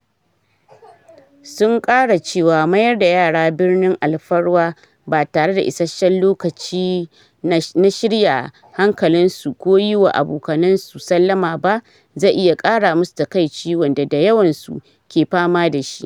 Sun kara cewa mayar da yara birnin alfarwa ba tare da issashen lokaci na shirya hankalin su ko yi wa abokanansu sallama ba, zai iya ƙara musu takaici wanda da yawan su ke fama da shi.